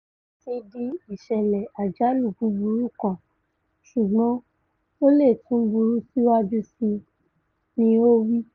Èyí ti di ìṣẹ̀lẹ̀ àjálù buburú kan, ṣùgbọ́n o leè tún burú síwájú síi,'' ni o wí.